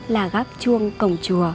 là gác chuông cổng chùa